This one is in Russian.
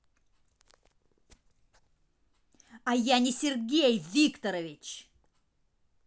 а я не сергей викторович